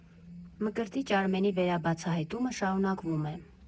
Մկրտիչ Արմենի վերաբացահայտումը շարունակվոմ է.